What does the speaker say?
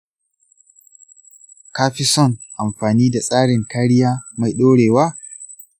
kafi son anfani da tsarin kariya mai ɗorewa?